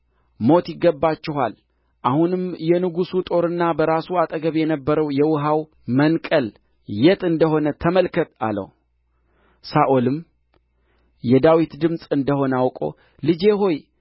ሞት ይገባችኋል አሁንም የንጉሡ ጦርና በራሱ አጠገብ የነበረው የውኃው መንቀል የት እንደ ሆነ ተመልከት አለው ሳኦልም የዳዊት ድምፅ እንደ ሆነ አውቆ ልጄ ዳዊት ሆይ